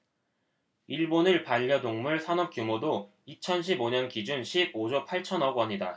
일본의 반려동물 산업 규모도 이천 십 오 년 기준 십 오 조 팔천 억 원이다